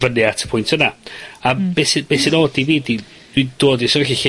fyny at y pwynt yna. A... Hmm. ...be' sy, beth sydd od i fi ydi dwi'n dod i sefyllfa lle